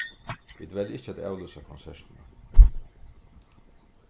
vit velja ikki at avlýsa konsertina